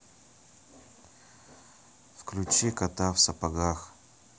включи кота в сапогах